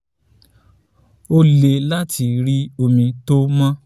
Ó le láti rí omi tó mọ́.